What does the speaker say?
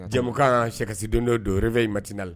Jɛmukan sɛkasi dondon don, réveil matinal